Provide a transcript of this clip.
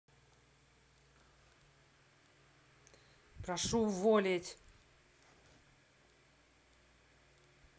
прошу уволить